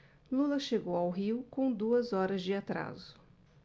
lula chegou ao rio com duas horas de atraso